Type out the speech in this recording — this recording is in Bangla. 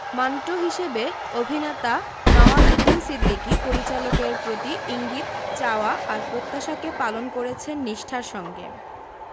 মান্টো হিসেবে অভিনেতা নওয়াজুদ্দিন সিদ্দিকী পরিচালকের প্রতিটি ইঙ্গিত চাওয়া আর প্রত্যাশাকে পালন করেছেন নিষ্ঠার সঙ্গে